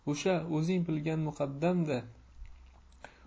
o'sha o'zing bilgan muqaddamda